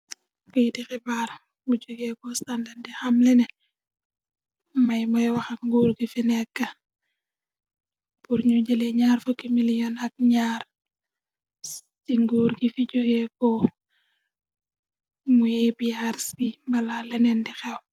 Kayti xibaar bu jogeko standard di xamlene may moy waxa nguur gi fi neka pur ñu jële ñaar fokki million ak ñaar ci nguur gi fi jogee ko muy APRC bi bala leneen di xew.